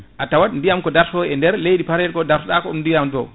a tawat ndiyam ko dato e nder leydi pareri ko dartotako ɗum ndiyam to